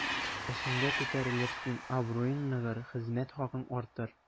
Эшеңдә күтәрелерсең, абруең ныгыр, хезмәт хакың артыр.